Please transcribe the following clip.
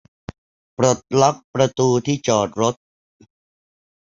ปลดล็อคประตูที่จอดรถ